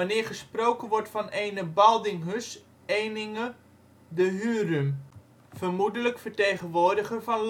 1338 wanneer gesproken wordt van ene Baldinghus Eninge de ' Hurum ' (vermoedelijk vertegenwoordiger van